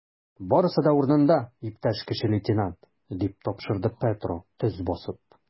Барысы да урынында, иптәш кече лейтенант, - дип тапшырды Петро, төз басып.